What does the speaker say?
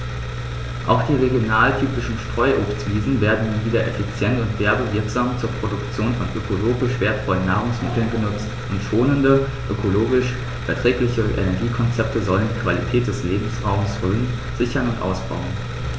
Auch die regionaltypischen Streuobstwiesen werden nun wieder effizient und werbewirksam zur Produktion von ökologisch wertvollen Nahrungsmitteln genutzt, und schonende, ökologisch verträgliche Energiekonzepte sollen die Qualität des Lebensraumes Rhön sichern und ausbauen.